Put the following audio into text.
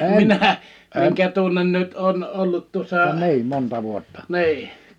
minä minkä tunnen nyt olen ollut tuossa niin